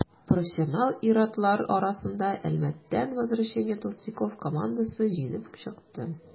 Профессионал ир-атлар арасында Әлмәттән «Возвращение толстяков» командасы җиңеп чыкты.